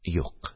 – юк!